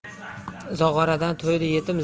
zog'oradan to'ydi yetim